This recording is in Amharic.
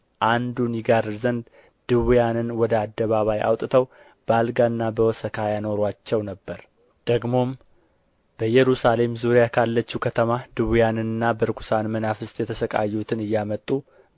አንዱን ይጋርድ ዘንድ ድውያንን ወደ አደባባይ አውጥተው በአልጋና በወሰካ ያኖሩአቸው ነበር ደግሞም በኢየሩሳሌም ዙሪያ ካለችው ከተማ ድውያንንና በርኵሳን መናፍስት የተሣቀዩትን እያመጡ